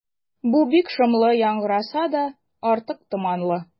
Бу бик шомлы яңгыраса да, артык томанлы.